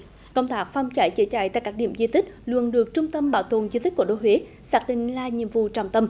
công tác phòng cháy chữa cháy tại các điểm di tích luôn được trung tâm bảo tồn di tích cố đô huế xác định là nhiệm vụ trọng tâm